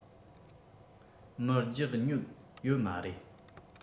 མི རྒྱག མྱོད ཡོད མ རེད